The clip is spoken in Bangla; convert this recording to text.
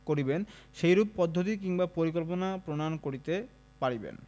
করিবেন সেইরূপ পদ্ধতি কিংবা পরিকল্পনা প্রণয়ন করিতে পারিবেন